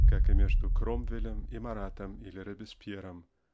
как и между Кромвелем и Маратом или Робеспьером